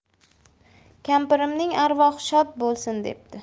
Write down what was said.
kampirimning arvohi shod bo'lsin debdi